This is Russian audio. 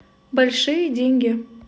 большие деньги